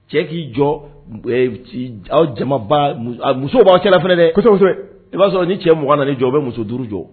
Cɛ k'i jɔ jama muso' kɛlɛsɛbɛ i b'a sɔrɔ ni cɛ mɔgɔ na jɔ o bɛ muso duuru jɔ